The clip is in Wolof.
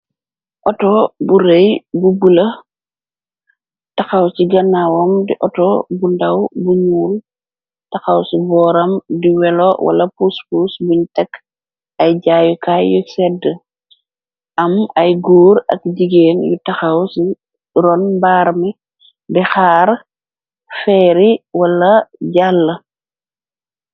Auto bu rëy bu bula taxaw ci gannaawaom di auto bu ndaw bu ñuul taxaw ci vooram di welo wala puspus buñ tekk ay jaayukaay yu sedd am ay góur ak jigéen yu taxaw ci ron mbaarmi di xaar feeri wala jàll.